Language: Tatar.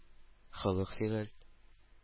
Холык-фигыль